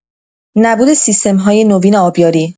نبود سیستم‌های نوین آبیاری